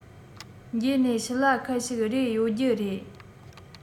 འགྱེལ ནས ཤི ལ ཁད ཞིག རེད ཡོད རྒྱུ རེད